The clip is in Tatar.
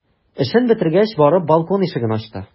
Эшен бетергәч, барып балкон ишеген ачты.